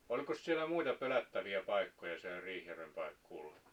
olikos siellä muita pelättäviä paikkoja siellä Riihijärven paikkuulla